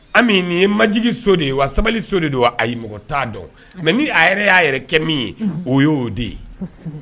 Ami nin ye majigi se de ye wa sabali se de do wa ayi mɔgɔ t'a dɔn mais ni a yɛrɛ y'a yɛrɛ kɛ min ye o ye o de ye.